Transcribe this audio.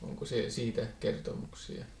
onko siitä kertomuksia